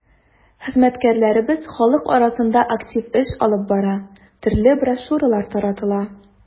Хезмәткәрләребез халык арасында актив эш алып бара, төрле брошюралар таратыла.